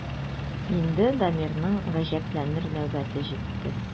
Инде Дамирның гаҗәпләнер нәүбәте җитте.